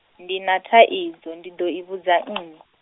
ndi na thaidzo, ndi ḓo i vhudza nnyi.